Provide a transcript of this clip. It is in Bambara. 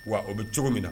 Wa o bɛ cogo min na